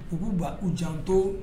U'u ba u janto